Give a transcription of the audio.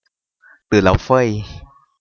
ตื่นแล้วเฟ้ย